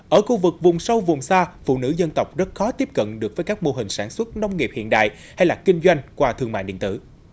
ở khu vực vùng sâu vùng xa phụ nữ dân tộc rất khó tiếp cận được với các mô hình sản xuất nông nghiệp hiện đại hay lạc kinh doanh qua thương mại điện tử